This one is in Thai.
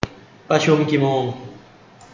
ประชุมกี่โมง